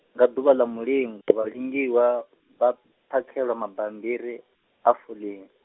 nga ḓuvha ḽa mulingo, vhalingiwa, vha, phakhelwa mabambiri, a foḽio.